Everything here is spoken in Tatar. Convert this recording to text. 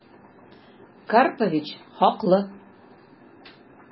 Карпович хаклы...